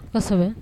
Kosɛbɛ